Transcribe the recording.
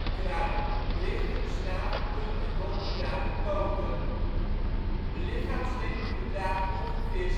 kruin, lichtere snavelpunt en donkerbruine poten. De lichaamslengte bedraagt ongeveer